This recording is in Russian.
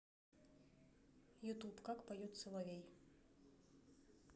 ютуб как поет соловей